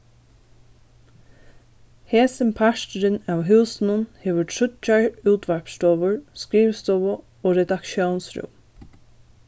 hesin parturin av húsinum hevur tríggjar útvarpsstovur skrivstovu og redaktiónsrúm